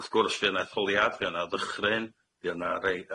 Wrth gwrs fu 'na etholiad fuo 'na ddychryn fuo 'na rei